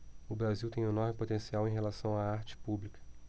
o brasil tem um enorme potencial em relação à arte pública